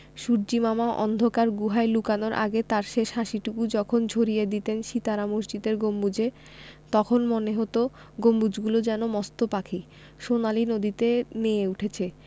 সূর্য্যিমামা অন্ধকার গুহায় লুকানোর আগে তাঁর শেষ হাসিটুকু যখন ঝরিয়ে দিতেন সিতারা মসজিদের গম্বুজে তখন মনে হতো গম্বুজগুলো যেন মস্ত পাখি সোনালি নদীতে নেয়ে উঠেছে